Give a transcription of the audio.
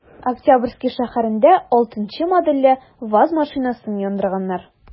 Октябрьский шәһәрендә 6 нчы модельле ваз машинасын яндырганнар.